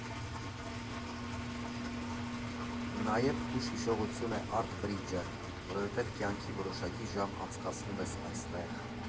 Նաև հուշ֊հիշողություն է Արտ Բրիջը, որովհետև կյանքի որոշակի ժամ անցկացնում ես այստեղ։